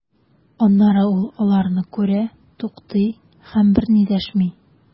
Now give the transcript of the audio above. Аннары ул аларны күрә, туктый һәм берни дәшми.